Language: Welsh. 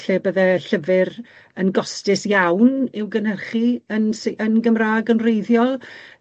lle bydde llyfyr yn gostus iawn i'w gynhyrchu yn sy- yn Gymra'g yn wreiddiol.